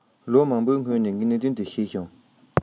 ལོ མང པོའི སྔོན ནས ངས གནད དོན དེ ཤེས བྱུང